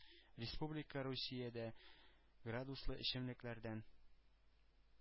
Республика русиядә градуслы эчемлекләрдән